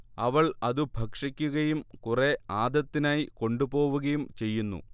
അവൾ അതു ഭക്ഷിക്കുകയും കുറേ ആദത്തിനായി കൊണ്ടുപോവുകയും ചെയ്യുന്നു